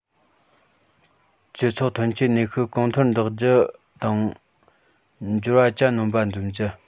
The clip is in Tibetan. སྤྱི ཚོགས ཐོན སྐྱེད ནུས ཤུགས གོང མཐོར འདེགས རྒྱུ དང འབྱོར བ གྱ ནོམ པ འཛོམས རྒྱུ